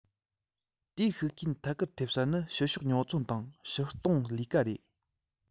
དེའི ཤུགས རྐྱེན ཐད ཀར ཐེབས ས ནི ཕྱི ཕྱོགས ཉོ ཚོང དང ཕྱིར གཏོང ལས ཀ རེད